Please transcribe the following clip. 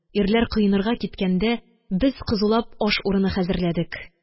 Ирләр коенырга киткәндә, без кызулап аш урыны хәзерләдек